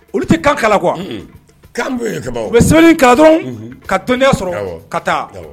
Olu tɛ kan kalan quoi u bɛ sɛbɛnni kalan dɔrɔnw ka tɔdiya sɔrɔ ka taa!